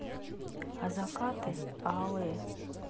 а закаты алые